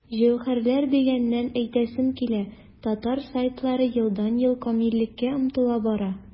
Җәүһәрләр дигәннән, әйтәсем килә, татар сайтлары елдан-ел камиллеккә омтыла бара.